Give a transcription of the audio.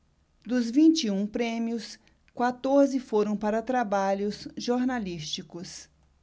dos vinte e um prêmios quatorze foram para trabalhos jornalísticos